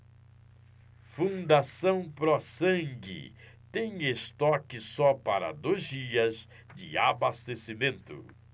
fundação pró sangue tem estoque só para dois dias de abastecimento